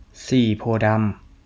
สี่โพธิ์ดำ